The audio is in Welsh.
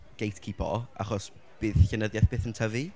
geitcîpo, achos bydd llenyddiaith byth yn tyfu.